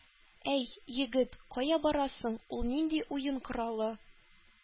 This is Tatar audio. — әй, егет, кая барасың, ул нинди уен коралы,